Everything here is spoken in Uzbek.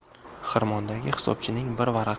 xirmondagi hisobchining bir varaq